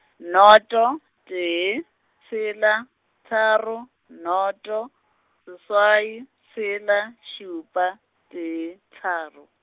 noto, tee, tshela, tharo, noto, seswai, tshela, šupa, tee, tharo.